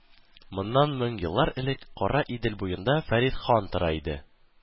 Моннан мең еллар элек Кара Идел буенда Фәрит хан тора иде.